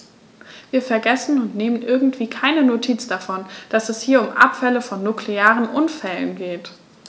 Wir vergessen, und nehmen irgendwie keine Notiz davon, dass es hier um Abfälle von nuklearen Unfällen geht.